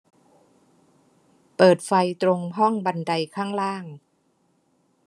เปิดไฟตรงห้องบันไดข้างล่าง